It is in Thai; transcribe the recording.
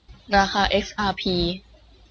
ราคาเอ็กอาร์พี